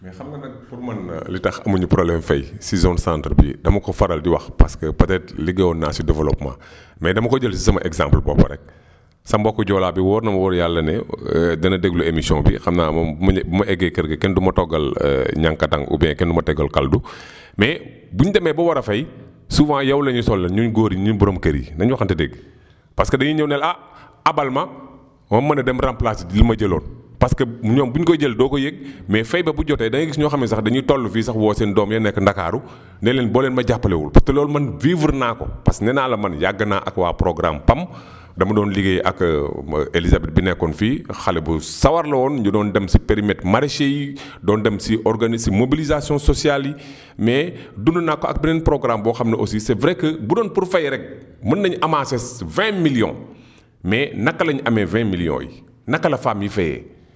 mais xam nga nag pour man li tax amuñu problème fay si zone centre bi dama ko faral di wax parce que peut etre liggéeyoon naa si développement mais dama ko jël si sama exemple bopp rekk sa mbokku joolaa bi wóor na ma wóor Yàlla ne dana déglu émission bi xam naa moom bu ma ñi bu ma eggee kër ga kenn du ma toggal ñànkatang oubien kenn du ma tegal kaldu mais bu ñu demee ba war a fay souvent yow la ñuy soldé ñuy góor ñi ñun boroom kër yi nañu waxante dëgg parce que dañuy ñew ne la ah abal ma ma mën a dem remplacé li ma jëloon parce que ñoom bu ñu koy jël doo ko yëg mais fay ba bu jotee da ngay gis ñoo xam ne sax dañuy toll fii sax woo seen doom ya nekk ndakaaru ne leen boo leen ma jàppalewul parce que loolu man vivre naa ko parce que nee naa la man yàgg naa ak waa programme PAM dama doon liggéey ak Elisabeth bi nekkoon fii xale bu sawar la woon ñu doon dem si périmètre maraichers yi doon dem ci organismes mobilisation sociale yi mais dund naa ko ak beneen programme boo xam ne aussi c' est vrai que bu doon pour fay rekk mën nañu amasser vingt millions mais naka la ñu amee vingt millions yi naka la femme yi fayee